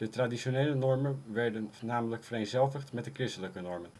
traditionele normen werden namelijk vereenzelvigd met de christelijke normen